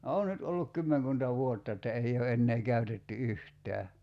on nyt ollut kymmenkunta vuotta että ei ole enää käytetty yhtään